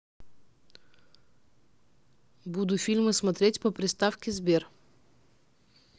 буду фильмы смотреть по приставке сбер